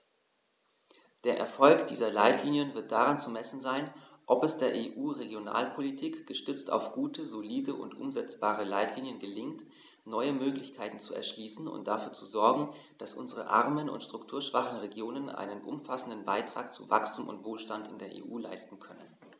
Der Erfolg dieser Leitlinien wird daran zu messen sein, ob es der EU-Regionalpolitik, gestützt auf gute, solide und umsetzbare Leitlinien, gelingt, neue Möglichkeiten zu erschließen und dafür zu sorgen, dass unsere armen und strukturschwachen Regionen einen umfassenden Beitrag zu Wachstum und Wohlstand in der EU leisten können.